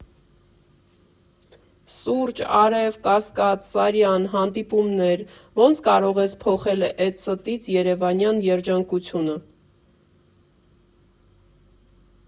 Սուրճ, արև, Կասկադ, Սարյան, հանդիպումներ։ Ո՞նց կարող ես փոխել էդ ստից երևանյան երջանկությունը։